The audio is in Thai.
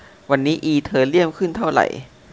วันนี้อีเธอเรียมขึ้นเท่าไหร่